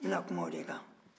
n bɛna kuma o de kan